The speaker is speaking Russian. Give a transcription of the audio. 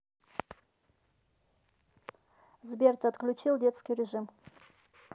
сбер ты отключил детский режим